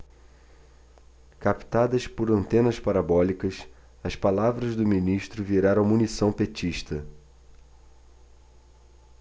captadas por antenas parabólicas as palavras do ministro viraram munição petista